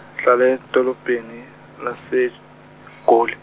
ngihlala edolobheni, laseGoli.